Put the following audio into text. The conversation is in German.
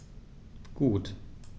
Gut.